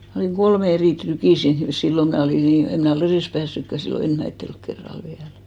minä olin kolme eri trykiä siinä silloin minä olin niin en minä ollut edes päässytkään silloin ensimmäisellä kerralla vielä